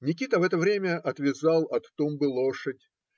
Никита в это время отвязал от тумбы лошадь